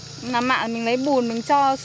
mà mạ mình lấy bùn cho